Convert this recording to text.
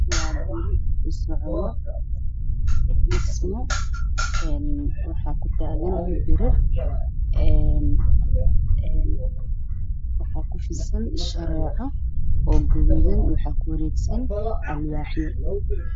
Waa guri dhismo kasocoto waxaa kutaagan biro, waxaa kufidsan shareeco gaduudan, waxaa kuwareegsan alwaaxyo.